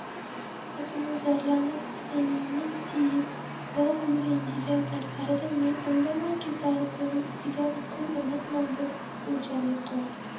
xotini zorlanib tilingizni tiyibroq yuring degan paytlarida men indamay ketadigan qul emasman deb o'jarlik qilardi